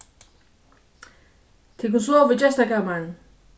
tit kunnu sova í gestakamarinum